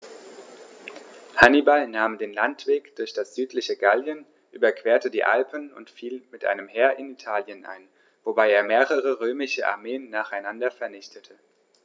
Hannibal nahm den Landweg durch das südliche Gallien, überquerte die Alpen und fiel mit einem Heer in Italien ein, wobei er mehrere römische Armeen nacheinander vernichtete.